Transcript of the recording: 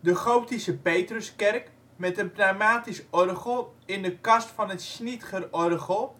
De gotische Petruskerk met een pneumatisch orgel in de kast van het Schnitgerorgel